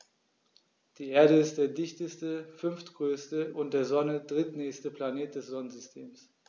Die Erde ist der dichteste, fünftgrößte und der Sonne drittnächste Planet des Sonnensystems.